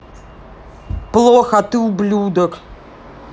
плохо а ты ублюдок